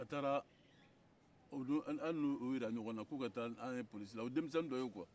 a taara an n'o jira ɲɔgɔn na k'o ka taa n'an ye polosi la o denmisɛnni dɔ ye quoi